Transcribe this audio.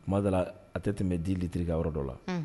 Kuma da la a tɛ tɛmɛ bɛ di tiri yɔrɔ dɔ la